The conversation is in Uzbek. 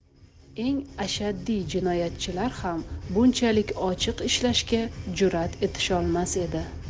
eng ashaddiy jinoyatchilar ham bunchalik ochiq ishlashga jur'at etisholmas edi